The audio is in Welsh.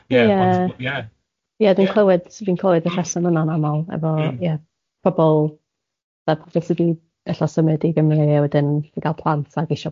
Ie. Ie dwi'n clywed so fi'n clywed y rheswm yna'n aml efo ie pobol fel bod jyst wedi ella symud i Gymru a wedyn i gal plant ac isio